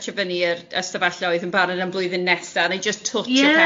Ie, setio fyny'r yy stafelloedd yn barod am blwyddyn nesa' neu jyst... ie